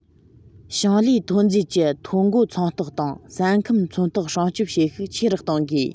ཞིང ལས ཐོན རྫས ཀྱི ཐོ བཀོད ཚོང རྟགས དང ས ཁམས མཚོན རྟགས སྲུང སྐྱོང བྱེད ཤུགས ཆེ རུ གཏོང དགོས